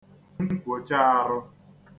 nkwòcheāhụ̄